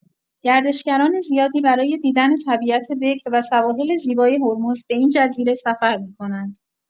گردشگران زیادی برای دیدن طبیعت بکر و سواحل زیبای هرمز به این جزیره سفر می‌کنند.